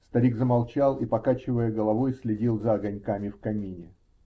Старик замолчал и, покачивая головой, следил за огоньками в камине.